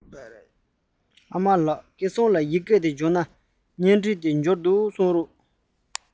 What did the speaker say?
ཨ མ ལགས སྐལ བཟང ལ ཡི གེ བསྐུར ན བརྙན འཕྲིན དེ འབྱོར འདུག གསུངས རོགས